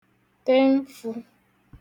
te nfụ̄